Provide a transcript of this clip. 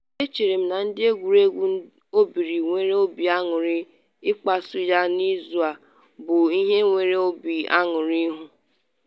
“Echere m na ndị egwuregwu ndị obere nwere obi anụrị ịkpasu ya n’izu a, bụ ihe nyere obi anụrị ịhụ.